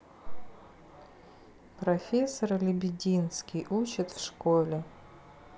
профессор лебединский учат в школе